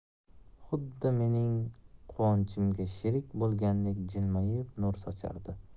xuddi mening quvonchimga sherik bo'lgandek jilmayib nur sochardi